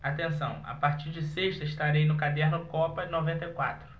atenção a partir de sexta estarei no caderno copa noventa e quatro